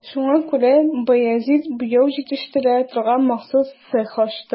Шуңа күрә Баязит буяу җитештерә торган махсус цех ачты.